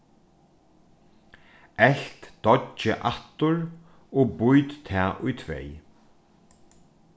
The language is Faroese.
elt deiggið aftur og být tað í tvey